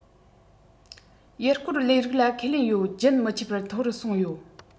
ཡུལ སྐོར ལས རིགས ལ ཁས ལེན ཡོད རྒྱུན མི ཆད པར མཐོ རུ སོང ཡོད